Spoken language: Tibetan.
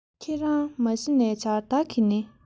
ཁྱེད རང མ གཞི ནས འཆར བདག གི ནི